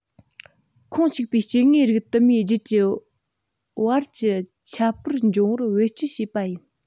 ཁོངས གཅིག པའི སྐྱེ དངོས རིགས དུ མའི རྒྱུད ཀྱི བར གྱི ཁྱད པར འབྱུང བར བེད སྤྱོད བྱས པ ཡིན